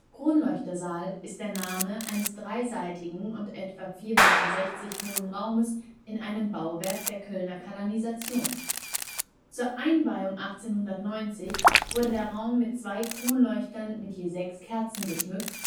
Kronleuchtersaal ist der Name eines dreiseitigen und etwa 4,60 Meter hohen Raumes in einem Bauwerk der Kölner Kanalisation. Zur Einweihung 1890 wurde der Raum mit zwei Kronleuchtern mit je sechs Kerzen geschmückt